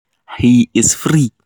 He is free.